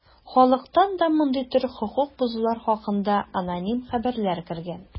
Халыктан да мондый төр хокук бозулар хакында аноним хәбәрләр кергән.